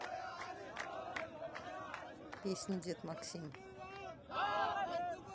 песня дед максим